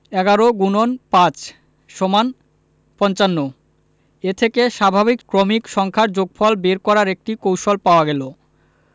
১১x৫=৫৫ এ থেকে স্বাভাবিক ক্রমিক সংখ্যার যোগফল বের করার একটি কৌশল পাওয়া গেল